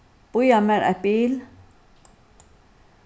bíða mær eitt bil